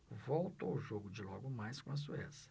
volto ao jogo de logo mais com a suécia